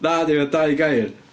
Nadi, mae'n dau gair.